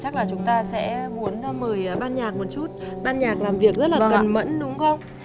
chắc là chúng ta sẽ muốn mời ban nhạc một chút ban nhạc làm việc rất là cần mẫn đúng không